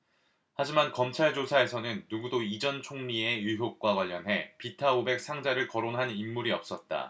하지만 검찰 조사에서는 누구도 이 전 총리의 의혹과 관련해 비타 오백 상자를 거론한 인물이 없었다